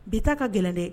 Bita ka gɛlɛn dɛ